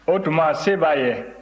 o tuma se b'a ye